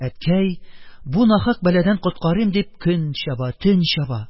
Әткәй, бу нахак бәладән коткарыйм дип, көн чаба, төн чаба.